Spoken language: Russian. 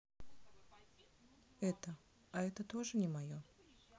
это а это тоже не мое